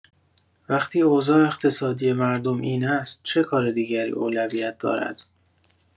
وقتی اوضاع اقتصادی مردم این است، چه کار دیگری اولویت دارد؟!